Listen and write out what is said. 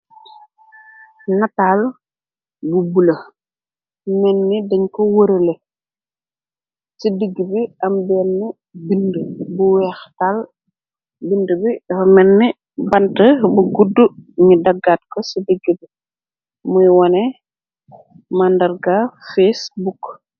Nataal bu bula, melni dañ ko wërale, ci digg bi am benne binde bu weextal, binde bi dafa melni bante bu guddu ñu daggaat ko ci digg bi, muy wone màndar ga facebook.